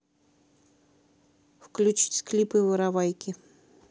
включить клипы воровайки